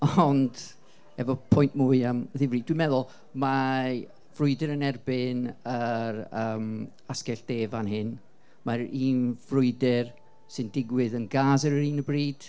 Ond, efo pwynt mwy am ddifrif, dwi'n meddwl, mae frwydr yn erbyn yr yym asgell dde fan hyn. Mae'r un ffrwydr sy'n digwydd yn Gaza ar hyn o bryd,